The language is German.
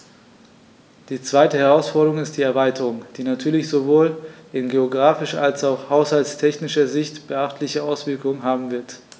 Die zweite Herausforderung ist die Erweiterung, die natürlich sowohl in geographischer als auch haushaltstechnischer Sicht beachtliche Auswirkungen haben wird.